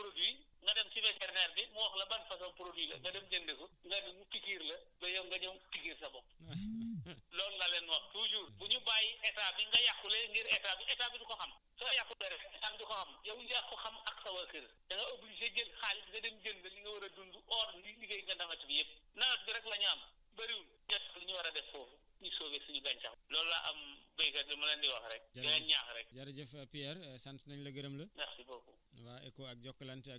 donc ku nekk na xam ne daal léegi activité boobu defal comme éléveurs yi soo soxlawee produit nga dem si vétérinaire bi mu wax la ban façon produit la nga dem jëndi ko nga ne mu pikiir la ba yow nga ñëw pikiir sa bopp loolu laa leen wax toujours bu ñu bàyyi état bi nga yaqule ngir état bi état bi du ko xam soo yaqulee rek état bi du ko xam yow yaa ko xam ak sa waa kër da nga obliger jël xaalis nga dem jënd li nga war a dund or li liggéey nga nawet bi yëpp nawet bi rek la ñu am bëriwul seet lu ñu war a def foofu pour sauver suñu gàncax bi loolu laa am béykat lu ma leen di wax rek